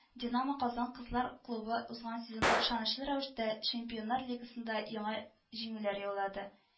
Динамо-Казан кызлар клубы узган сезонда ышанычлы рәвештә Чемпионнар Лигасында яңа җиңүләр яулады